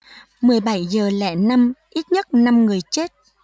mười bảy giờ lẻ năm ít nhất năm người chết